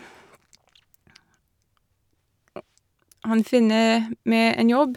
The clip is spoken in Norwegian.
Han finne meg en jobb.